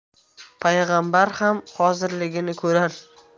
payg'ambar ham hozirligini ko'rar